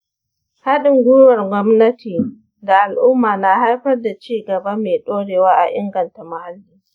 haɗin gwiwar gwamnati da al’umma na haifar da ci gaba mai ɗorewa a inganta muhalli.